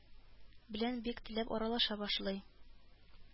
Белән бик теләп аралаша башлый